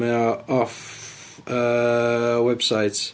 Mae o off yy website.